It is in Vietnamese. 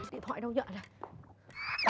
điện thoại đâu á nhở